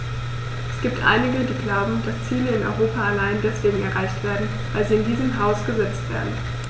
Es gibt einige, die glauben, dass Ziele in Europa allein deswegen erreicht werden, weil sie in diesem Haus gesetzt werden.